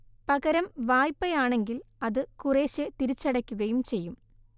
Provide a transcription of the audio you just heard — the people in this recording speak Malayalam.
പകരം വായ്പയാണെങ്കിൽ അത് കുറേശേ തിരിച്ചടയ്ക്കുകയും ചെയ്യും